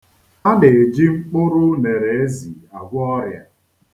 A na-eji mkpụrụ unereezi agwọ ọrịa.